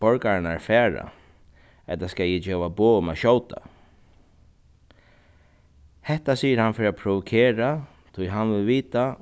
borgararnar fara ella skal eg geva boð um at skjóta hetta sigur hann fyri at provokera tí hann vil vita